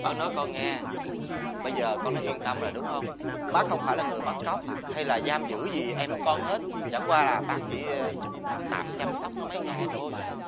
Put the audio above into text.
bác nói con nghe bây giờ con đã yên tâm rồi đúng hông bác không phải là người bắt cóc hay là giam giữ gì em của con hết chẳng qua là bác chỉ tạm chăm sóc nó mấy ngày thôi